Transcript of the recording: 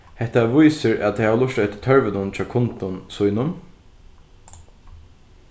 hetta vísir at tey hava lurtað eftir tørvinum hjá kundum sínum